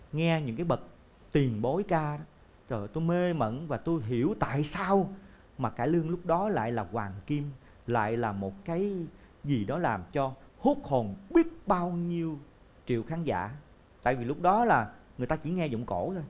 nghe những cái bậc tiền bối ca đó trời ơi tôi mê mẩn và tôi hiểu tại sao mà cải lương lúc đó lại là hoàng kim lại là một cái gì đó làm cho hút hồn biết bao nhiêu triệu khán giả tại vì lúc đó là người ta chỉ nghe vọng cổ thôi